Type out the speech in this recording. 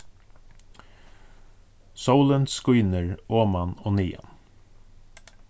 sólin skínur oman og niðan